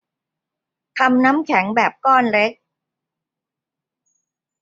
ทำน้ำแข็งแบบก้อนเล็ก